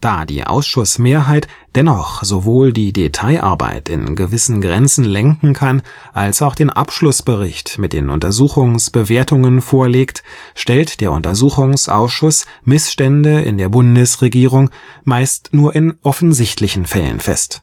Da die Ausschussmehrheit dennoch sowohl die Detailarbeit in gewissen Grenzen lenken kann als auch den Abschlussbericht mit den Untersuchungsbewertungen vorlegt, stellt der Untersuchungsausschuss Missstände in der Bundesregierung meist nur in offensichtlichen Fällen fest.